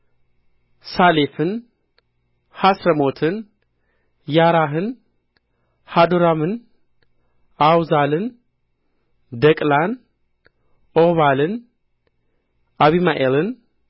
ሣሌፍን ሐስረሞትን ያራሕን ሀዶራምን አውዛልን ደቅላን ዖባልን አቢማኤልን